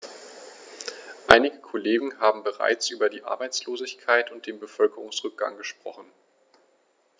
Einige Kollegen haben bereits über die Arbeitslosigkeit und den Bevölkerungsrückgang gesprochen.